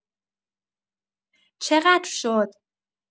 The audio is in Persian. چقدر شد؟